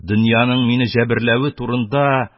Дөньяның мине җәберләве турында